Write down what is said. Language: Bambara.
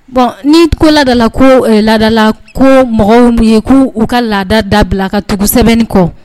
Bɔn ni ko ladala ko laadadala ko mɔgɔw n'u ye k' u ka laadada dabila ka tugu sɛbɛnni kɔ